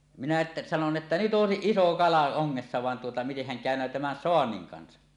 minä että sanoin että nyt olisi iso kala ongessa vaan tuota mitenhän käynee tämän saannin kanssa